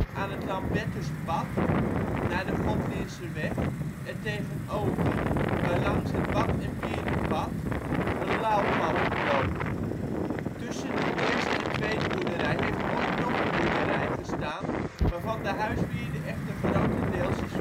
aan het Lambertuspad (naar de Godlinzerweg) ertegenover, waarlangs het Wad - en Wierdenpad (een LAW-pad) loopt. Tussen de eerste en tweede boerderij heeft ooit nog een boerderij gestaan, waarvan de huiswierde echter grotendeels is